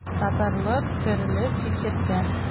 Татарлар төрле фикердә.